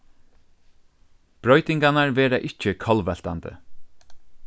broytingarnar verða ikki kollveltandi